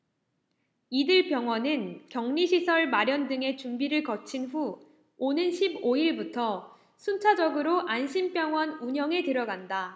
이들 병원은 격리시설 마련 등의 준비를 거친 후 오는 십 오 일부터 순차적으로 안심병원 운영에 들어간다